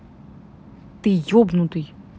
ты ебнутый